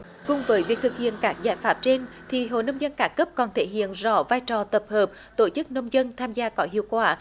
cùng với việc thực hiện các biện pháp trên thì hội nông dân các cấp còn thể hiện rõ vai trò tập hợp tổ chức nông dân tham gia có hiệu quả